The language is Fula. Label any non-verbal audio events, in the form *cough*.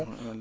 *hesitation* walla